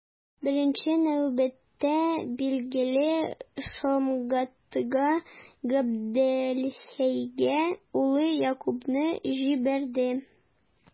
Беренче нәүбәттә, билгеле, Шомгатыга, Габделхәйгә улы Якубны җибәрде.